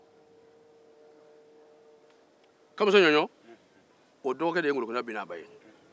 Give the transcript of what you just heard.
kamisa ɲɔɲɔ dɔgɔkɛ de ye ŋolokunna binaba ye